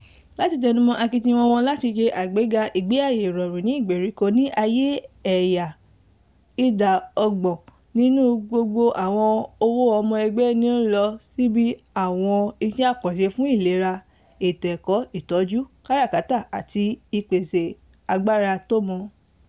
Láti tẹnumọ́ akitiyan wọn láti ṣe àgbéga ìgbé ayé ìrọ̀rùn ní ìgbèríko ní ààyè "ẹ̀yà", 30% nínú gbogbo àwọn owó ọmọ ẹgbẹ́ ni ó ń lọ síbi àwọn iṣẹ́ àkànṣe fún ìlera, ètò ẹ̀kọ́, ìtọ́jú, káràkátà àti ìpèsè agbára tí ó mọ́.